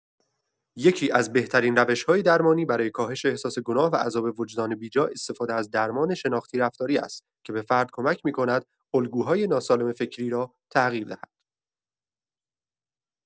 یکی‌از بهترین روش‌های درمانی برای کاهش احساس گناه و عذاب وجدان بی‌جا، استفاده از درمان شناختی-رفتاری است که به فرد کمک می‌کند الگوهای ناسالم فکری را تغییر دهد.